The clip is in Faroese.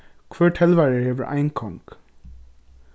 hvør telvari hevur ein kong